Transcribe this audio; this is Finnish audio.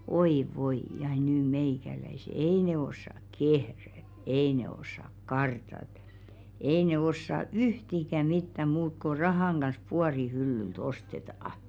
oi voi ja nyt meikäläiset ei ne osaa kehrätä ei ne osaa kartata ei ne osaa yhtikäs mitään muuta kuin rahan kanssa puodin hyllyltä ostetaan